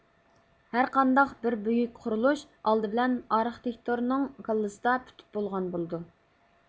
ھەرقانداق بىر بۈيۈك قۇرۇلۇش ئالدى بىلەن ئارخېتىكتورنىڭ كاللىسىدا پۈتۈپ بولغان بولىدۇ